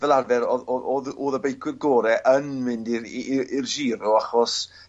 fel arfer o'dd o- o'dd yy o'dd y beicwyr gore yn mynd i'r i i i'r Giro achos